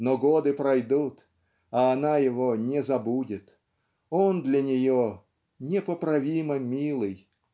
но годы пройдут, а она его не забудет, он для нее "непоправимо милый"